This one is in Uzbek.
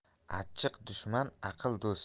achchiq dushman aql do'st